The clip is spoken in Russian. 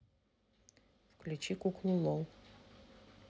включи куклу лол